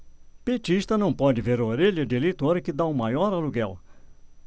petista não pode ver orelha de eleitor que tá o maior aluguel